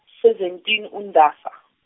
seventeen uNdasa.